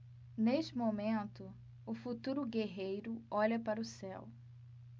neste momento o futuro guerreiro olha para o céu